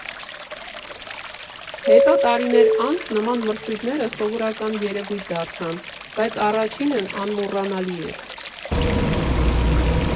Հետո՝ տարիներ անց, նման մրցույթները սովորական երևույթ դարձան, բայց առաջինն անմոռանալի էր։